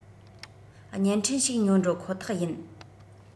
བརྙན འཕྲིན ཞིག ཉོ འགྲོ ཁོ ཐག ཡིན